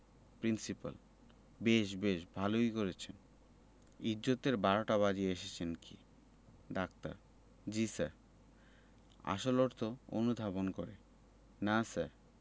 principal বেশ বেশ ভালো করেছেন ইজ্জতের বারোটা বাজিয়ে এসেছেন কি ডাক্তার জ্বী স্যার আসল অর্থ অনুধাবন করে না স্যার